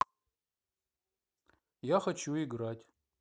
я хочу играть